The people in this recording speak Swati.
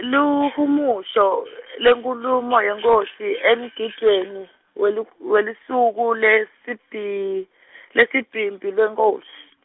luhumusho , lenkhulumo yenkhosi emgidvweni, welu- welusuku, lwesibhi- , lwesibhimbi lwenkhosi.